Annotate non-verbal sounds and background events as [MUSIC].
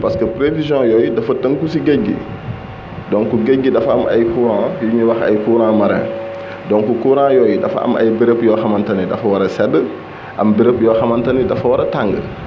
parce que pévisions yooyu dafa tënku si géej gi [NOISE] donc géej gi dafa am ay courants yu ñuy wax ay courants marains [NOISE] donc courants yooyu dafa am ay béréb yoo xamante ne dafa war a sedd am béréb yoo xamante ni dafa war a tàng